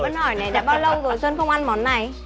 vân hỏi này đã bao lâu rồi sơn không ăn món này